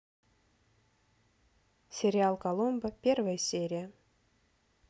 сериал коломбо первая серия